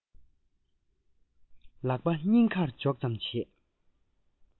ལག པ སྙིང ཁར འཇོག ཙམ བྱས